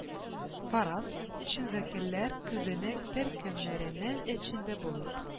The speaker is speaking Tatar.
Фараз - чын вәкилләр күзәнәк төркемнәренең эчендә булып...